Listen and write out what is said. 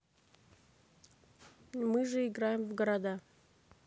мы же играем в города